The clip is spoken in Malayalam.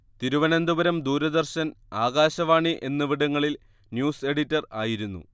തിരുവനന്തപുരം ദൂരദർശൻ ആകാശവാണി എന്നിവിടങ്ങളിൽ ന്യൂസ് എഡിറ്റർ ആയിരുന്നു